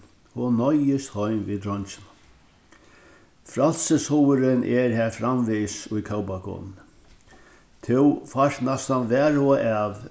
hon noyðist heim við dreinginum frælsishugurin er har framvegis í kópakonuni tú fært næstan varhuga av